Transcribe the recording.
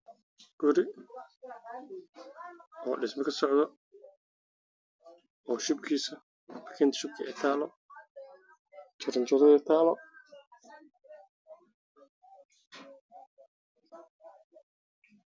Guri uu ka socday dhismo waxaa ka shaqeynayaan laba nin mid waxa uu wataa maalinta waxayna saarin jiraan jar